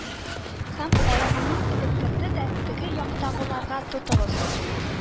Һәм аягымнан эләктерде дә теге яктагыларга: «тотыгыз